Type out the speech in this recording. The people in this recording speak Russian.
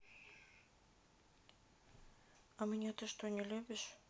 а меня ты что не любишь